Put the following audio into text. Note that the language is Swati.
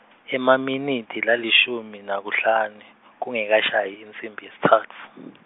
emaminitsi lalishumi nakuhlane, kungekashayi insimbi yesitsatfu.